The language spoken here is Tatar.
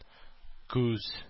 Күз